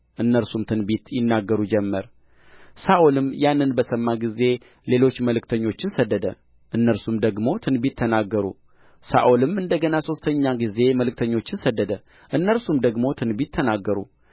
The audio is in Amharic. እነርሱም ትንቢት ይናገሩ ጀምር ሳኦልም ያንን በሰማ ጊዜ ሌሎች መልእክተኞችን ሰደደ እነርሱም ደግሞ ትንቢት ተናገሩ ሳኦልም እንደ ገና ሦስተኛ ጊዜ መልእክተኞችን ሰደደ እነርሱም ደግሞ ትንቢት ተናገሩ